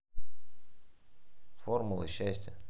формула счастья